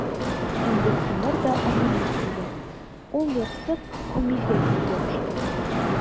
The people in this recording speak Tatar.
Инде Тимур да аңына килде, ул, ярсып, Камилгә килеп ябышты.